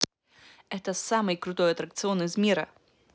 это самый крутой аттракцион из мира